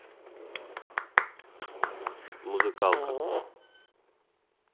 музыкалка